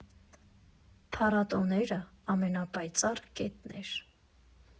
Փառատոները՝ ամենապայծառ կետն էր։